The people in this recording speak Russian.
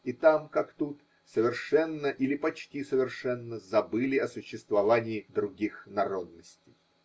и там, как тут, совершенно или почти совершенно забыли о существовании других народностей.